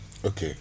ok